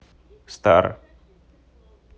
стар